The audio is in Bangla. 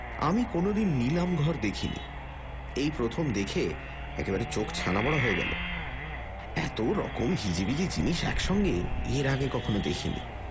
আমি কোনওদিন নিলামঘর দেখিনি এই প্রথম দেখে একেবারে চোখ ছানবিড়া হয়ে গেল এত রকম হিজিবিজি জিনিস একসঙ্গে এর আগে কখনও দেখিনি